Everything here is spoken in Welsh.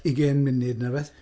Ugain munud neu rywbeth.